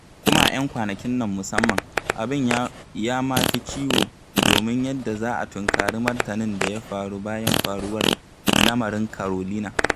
Kuma a 'yan kwanakin nan musamman, abin ya ma fi ciwo domin yadda za a tunkari martanin da ya faru bayan faruwar lamarin Carolina…